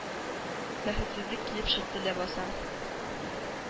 Бәхетсезлек килеп чыкты лабаса.